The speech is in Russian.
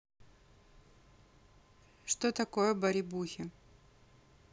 что такое баребухи